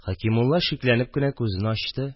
Хәкимулла шикләнеп кенә күзен ачты